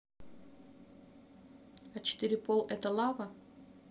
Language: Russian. а четыре пол это лава